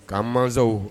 K'an mansaw